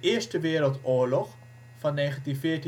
Eerste Wereldoorlog (1914-1918